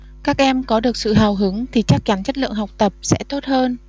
các em có được sự hào hứng thì chắc chắn chất lượng học tập sẽ tốt hơn